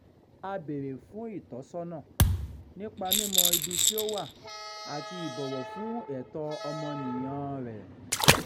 A béèrè fún ìtọ́sọ́nà nípa mímọ ibi tí ó wà, àti ìbọ̀wọ̀ fún ẹ̀tọ́ ọmọnìyàn-an rẹ̀.